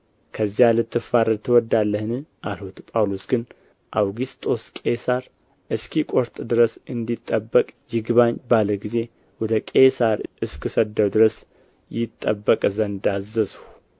ከዚያ ልትፋረድ ትወዳለህን አልሁት ጳውሎስ ግን አውግስጦስ ቄሣር እስኪቈርጥ ድረስ እንዲጠበቅ ይግባኝ ባለ ጊዜ ወደ ቄሣር እስክሰደው ድረስ ይጠበቅ ዘንድ አዘዝሁ